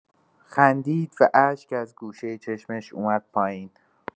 خندید و اشک از گوشۀ چشمش اومد پایین.